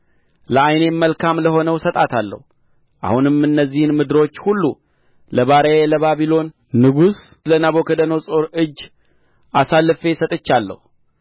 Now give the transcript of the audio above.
ለዓይኔም መልካም ለሆነው እሰጣታለሁ አሁንም እነዚህን ምድሮች ሁሉ ለባሪያዬ ለባቢሎን ንጉሥ ለናቡከደነፆር እጅ አሳልፌ ሰጥቻለሁ